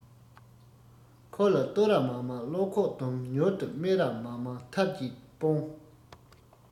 འཁོར ལ བསྟོད ར མ མང བློ ཁོག སྡོམས མྱུར དུ སྨད ར མ མང ཐབས ཀྱིས སྤོང